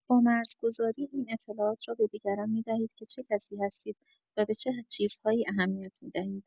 با مرزگذاری، این اطلاعات را به دیگران می‌دهید که چه کسی هستید و به چه چیزهایی اهمیت می‌دهید.